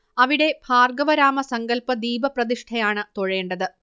അവിടെ ഭാർഗ്ഗവരാമ സങ്കല്പ ദീപപ്രതിഷ്ഠയാണ് തൊഴേണ്ടത്